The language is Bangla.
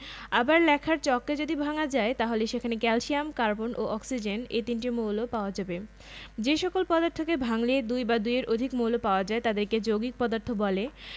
আবার লেখার চককে যদি ভাঙা যায় তাহলে সেখানে ক্যালসিয়াম কার্বন ও অক্সিজেন এ তিনটি মৌল পাওয়া যাবে যে সকল পদার্থকে ভাঙলে দুই বা দুইয়ের অধিক মৌল পাওয়া যায় তাদেরকে যৌগিক পদার্থ বলে